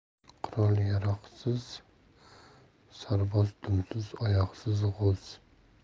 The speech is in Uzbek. qurol yarog'siz sarboz dumsiz oyoqsiz g'oz